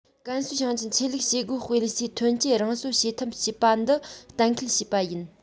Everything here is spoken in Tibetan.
ཀན སུའུ ཞིང ཆེན ཆོས ལུགས བྱེད སྒོ སྤེལ སའི ཐོན སྐྱེད རང གསོ བྱེད ཐབས ཞེས པ འདི གཏན འཁེལ བྱས པ ཡིན